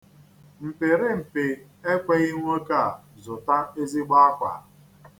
Mpịrịmpị ekweghị nwoke a zụta ezigbo akwa.